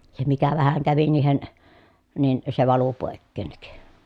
se mikä vähän kävi niihin niin se valui poiskin